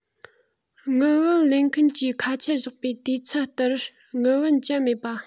དངུལ བུན ལེན མཁན གྱིས ཁ ཆད བཞག པའི དུས ཚད ལྟར དངུལ བུན བཅལ མེད པ